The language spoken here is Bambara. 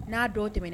N'a dɔ tɛmɛn